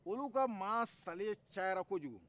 olu ka maa salen cayara kojugu